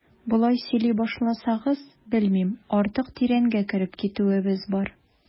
Болай сөйли башласагыз, белмим, артык тирәнгә кереп китүебез бар.